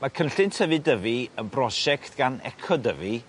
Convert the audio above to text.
Ma' cynllun tyfu Dyfi yn brosiect gan Eco-Dyfi